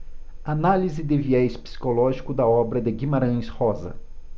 análise de viés psicológico da obra de guimarães rosa